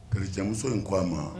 kerecɛn muso in ko a ma.